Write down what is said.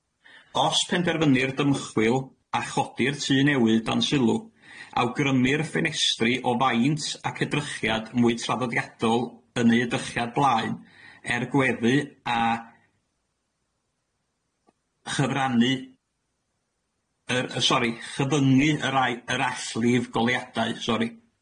Os penderfynir dymchwil, a chodi'r tŷ newydd dan sylw, awgrymir ffenestri o faint ac edrychiad mwy traddodiadol yn eu edrychiad blaen, er gweddu a chyfrannu yr, y sori chyfyngu y rai- yr ai- allif goleuadau. Sori.